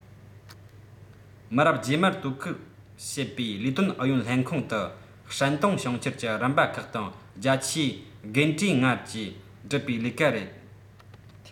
མི རབས རྗེས མར དོ ཁུར བྱེད པའི ལས དོན ཨུ ཡོན ལྷན ཁང དུ ཧྲན ཏུང ཞིང ཆེན གྱི རིམ པ ཁག དང རྒྱ ཆེའི རྒན གྲས ལྔར ཀྱིས བསྒྲུབས པའི ལས ཀ རེད